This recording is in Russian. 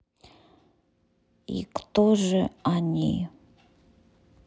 и кто же они